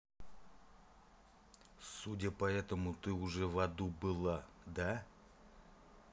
судя по этому ты уже в аду был да